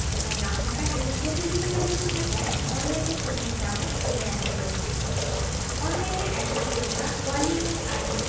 দোকান না থাকা এবং প্রতিযোগিতা বেশি থাকায় অনলাইনে পণ্যের দামও কমে আসে অনলাইনের একজন ক্রেতা ওয়ালি উল আলীম